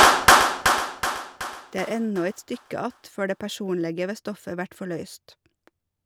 Det er ennå eit stykke att før det personlege ved stoffet vert forløyst.